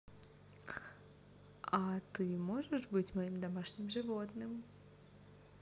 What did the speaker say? а ты можешь быть моим домашним животным